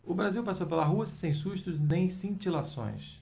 o brasil passou pela rússia sem sustos nem cintilações